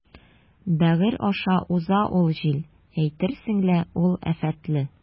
Бәгырь аша уза ул җил, әйтерсең лә ул афәтле.